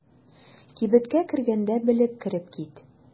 Кибеткә кергәндә белеп кереп кит.